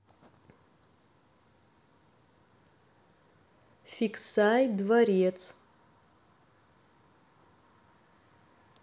фиксай дворец